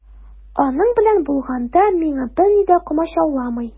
Аның белән булганда миңа берни дә комачауламый.